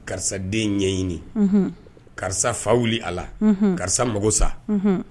Karisa den ɲɛɲini, Unhun, karisa fa wili a la, Unhun, karisa mako sa, Unhun.